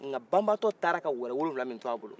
banbatɔ taara ka wɛrɛ wolowula min to bolo